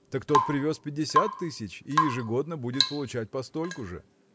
так тот привез пятьдесят тысяч и ежегодно будет получать по стольку же.